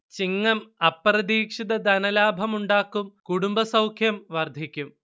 ചിങ്ങം അപ്രതീക്ഷിത ധനലാഭം ഉണ്ടാക്കും കുടുംബസൗഖ്യം വർധിക്കും